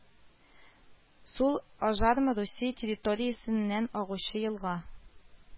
Сул Ажарма Русия территориясеннән агучы елга